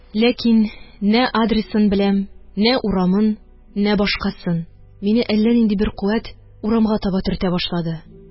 Ләкин нә адресын беләм, нә урамын, нә башкасын. Мине әллә нинди бер куәт урамга таба төртә башлады.